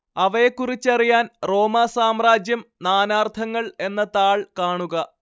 അവയെക്കുറിച്ചറിയാൻ റോമാ സാമ്രാജ്യം നാനാർത്ഥങ്ങൾ എന്ന താൾ കാണുക